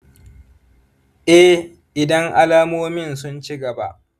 eh, idan alamomin sun ci gaba